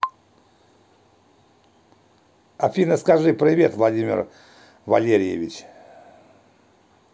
афина скажи привет владимир валерьевич